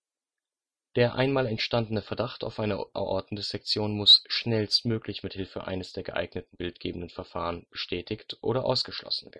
Der einmal entstandene Verdacht auf eine Aortendissektion muss schnellstmöglich mit Hilfe eines der geeigneten bildgebenden Verfahren bestätigt oder ausgeschlossen